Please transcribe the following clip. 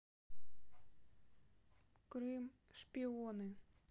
крым шпионы